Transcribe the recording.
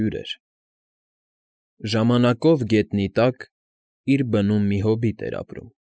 Ժամանակով գետնի տակ, իր բնում մի հոբիտ էր ապրում։